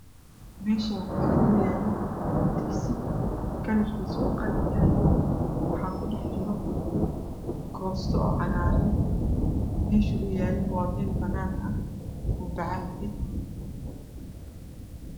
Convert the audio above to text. Meeshaani waxaa inoo yaalo digsi kalrkiisa uu qalin yahay waxaa ku dhex jiro koosto oo cagaaran meesha uu yaalana waa meel banaan ah oo bacaad ah